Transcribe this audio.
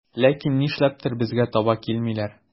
Ләкин нишләптер безгә таба килмиләр.